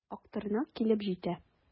Актырнак килеп җитә.